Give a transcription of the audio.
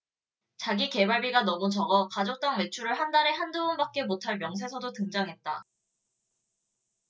자기계발비가 너무 적어 가족당 외출을 한 달에 한 두 번밖에 못할 명세서도 등장했다